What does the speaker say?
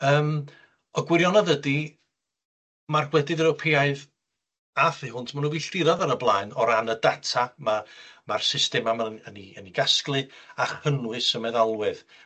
Yym, y gwirionadd ydi, ma'r gwledydd Ewropeaidd a thu hwnt ma' nw'n filltirodd ar y blaen o ran y data ma' ma'r systema 'ma'n yn 'i yn 'i gasglu a chynnwys y meddalwedd.